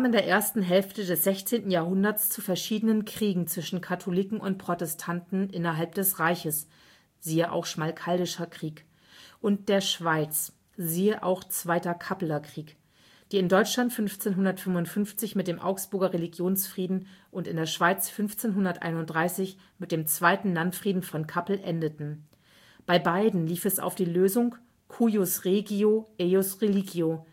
der ersten Hälfte des 16. Jahrhunderts zu verschiedenen Kriegen zwischen Katholiken und Protestanten innerhalb des Reiches (→Schmalkaldischer Krieg) und der Schweiz (→Zweiter Kappelerkrieg), die in Deutschland 1555 mit dem Augsburger Religionsfrieden und in der Schweiz 1531 mit dem Zweiten Landfrieden von Kappel endeten. Bei beiden lief es auf die Lösung „ cuius regio, eius religio